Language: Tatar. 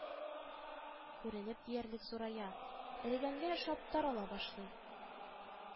Күренеп диярлек зурая, эрегәнгә охшап тарала башлый